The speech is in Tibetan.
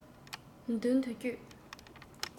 མདུན དུ བསྐྱོད